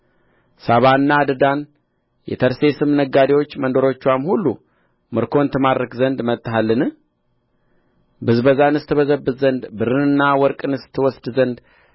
ሳባና ድዳን የተርሴስም ነጋዴዎች መንደሮችዋም ሁሉ ምርኮን ትማርክ ዘንድ መጥተሃልን ብዝበዛንስ ትበዘብዝ ዘንድ ብርንና ወርቅንስ ትወስድ ዘንድ